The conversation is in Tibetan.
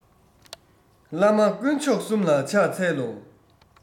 བླ མ དཀོན མཆོག གསུམ ལ ཕྱག འཚལ ལོ